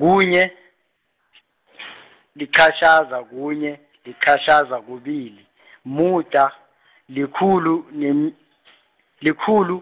munye, liqatjhaza kunye liqatjhaza, kubili , mumuda, likhulu, nemi- likhulu,